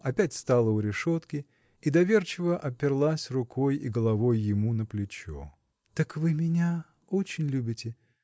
опять стала у решетки и доверчиво оперлась рукой и головой ему на плечо. – Так вы меня очень любите?